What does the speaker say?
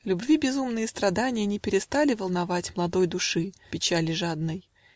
Любви безумные страданья Не перестали волновать Младой души, печали жадной